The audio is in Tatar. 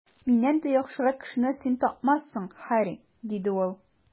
Миннән дә яхшырак кешене син тапмассың, Һарри, - диде ул.